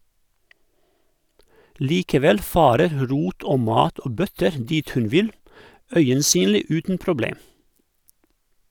Likevel farer rot og mat og bøtter dit hun vil, øyensynlig uten problem.